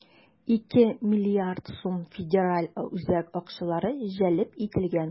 2 млрд сум федераль үзәк акчалары җәлеп ителгән.